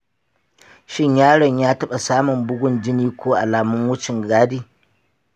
shin yaron ya taɓa samun bugun jini ko alamun wucin gadi?